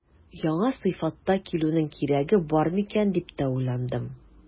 Яңа сыйфатта килүнең кирәге бар микән дип тә уйландым.